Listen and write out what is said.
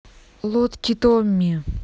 лодки томми